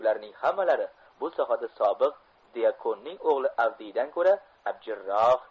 ularning hammalari bu sohada sobiq dyakonning o'g'li avdiydan ko'ra abjirroq